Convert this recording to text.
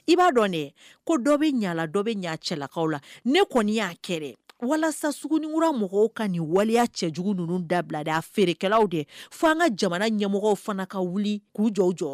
I b'a dɔn dɛ ko dɔ bɛ ɲala dɔ bɛ ɲa cɛlalakaw la ne kɔni y'a kɛ walasa sugunkura mɔgɔw ka nin waliya cɛjugu ninnu dabila de y'a feerekɛlaw de fo an ka jamana ɲɛmɔgɔ fana ka wuli k'u jɔ jɔ